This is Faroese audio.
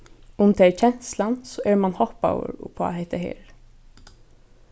um tað er kenslan so er mann hoppaður upp á hetta her